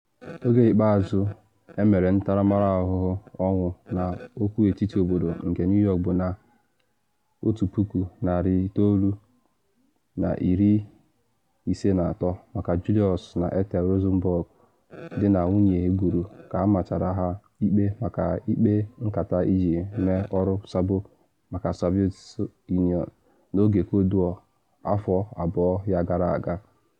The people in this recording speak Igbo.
Oge ikpeazụ emere ntaramahụhụ ọnwụ na okwu etiti obodo nke New York bụ na 1953 maka Julius na Ethel Rosenberg, di na nwunye egburu ka amachara ha ikpe maka ịkpa nkata iji mee ọrụ sabo maka Soviet Union n’oge Cold War afọ abụọ ya gara aga.